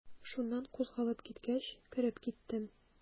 Шуннан кузгалып киткәч, кереп киттем.